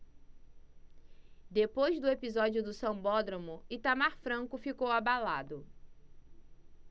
depois do episódio do sambódromo itamar franco ficou abalado